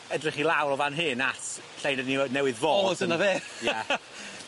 Edrych i lawr o fan hyn at lle o'n ni ne- newydd fod. O dyna fe. Ia.